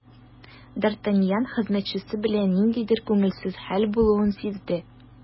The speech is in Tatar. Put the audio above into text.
Д’Артаньян хезмәтчесе белән ниндидер күңелсез хәл булуын сизде.